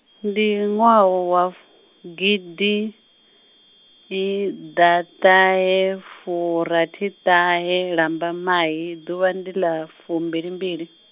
ndi ṅwaha wa f-, gidi i- ḓaṱahefurathiṱahe Lambamai ḓuvha nḓila, fumbilimbili.